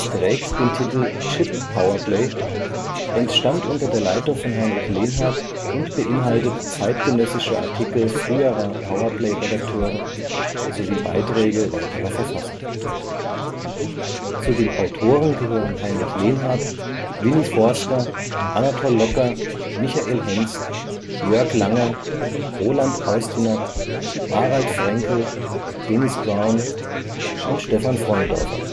trägt den Titel „ Chip Power Play “, entstand unter der Leitung von Heinrich Lenhardt und beinhaltet zeitgenössische Artikel früherer Power-Play-Redakteure, sowie Beiträge weiterer Verfasser. Zu den Autoren gehören Heinrich Lenhardt, Winnie Forster, Anatol Locker, Michael Hengst, Jörg Langer, Roland Austinat, Harald Fränkel, Denis Brown und Stephan Freundorfer